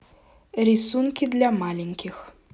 рисунки для маленьких